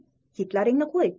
kitlaringni qo'y